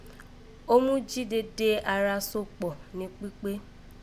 Ó mú jí dede ara so kpọ̀ ní kpíkpé